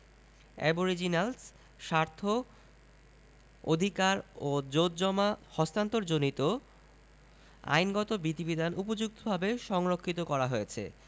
aboriginals স্বার্থ অধিকার ও জোতজমা হস্তান্তরজনিত আইনগত বিধিবিধান উপযুক্তভাবে সংরক্ষিত করা হয়েছে